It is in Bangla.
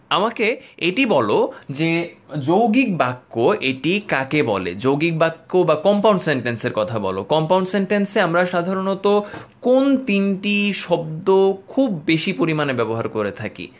আমাকে এটি বল যে যৌগিক বাক্য এটি কাকে বলে যৌগিক বাক্য বা কম্পাউন্ড সেন্টেন্স এর কথা বল কম্পাউন্ড সেন্টেন্স এ আমরা সাধারনত কোন তিনটি শব্দ খুব বেশি পরিমাণে ব্যবহার করে থাকি